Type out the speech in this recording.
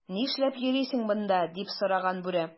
"нишләп йөрисең монда,” - дип сораган бүре.